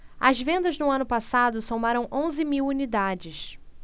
as vendas no ano passado somaram onze mil unidades